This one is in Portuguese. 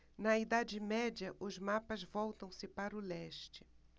na idade média os mapas voltam-se para o leste